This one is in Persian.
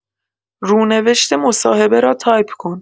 رونوشت مصاحبه را تایپ کن.